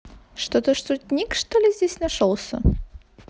что то шутник что ли здесь нашелся